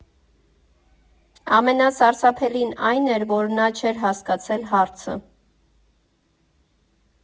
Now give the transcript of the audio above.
Ամենասարսափելին այն էր, որ նա չէր հասկացել հարցը։